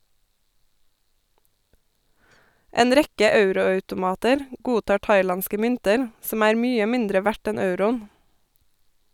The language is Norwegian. En rekke euro-automater godtar thailandske mynter , som er mye mindre verdt enn euroen.